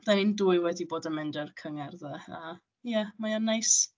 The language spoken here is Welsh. Dan ni'n dwy wedi bod yn mynd i'r cyngerddau, a ie mae o'n neis.